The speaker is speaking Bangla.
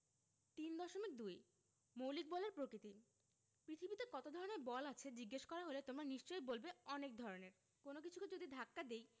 ৩.২ মৌলিক বলের প্রকৃতি পৃথিবীতে কত ধরনের বল আছে জিজ্ঞেস করা হলে তোমরা নিশ্চয়ই বলবে অনেক ধরনের কোনো কিছুকে যদি ধাক্কা দেই